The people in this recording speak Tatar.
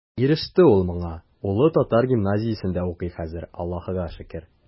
Иреште ул моңа, улы татар гимназиясендә укый хәзер, Аллаһыга шөкер.